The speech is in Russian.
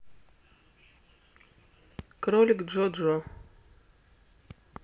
кролик джо джо